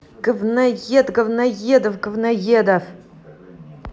гавнаед гавноедов говноедов